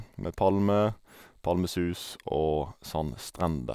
Med palmer, palmesus og sandstrender.